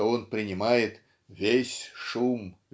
что он принимает "весь шум